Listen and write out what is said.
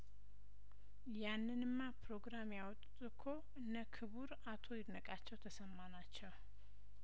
ያንንማ ፕሮግራም ያወጡት እኮ እነ ክቡር አቶ ይድነቃቸው ተሰማ ናቸው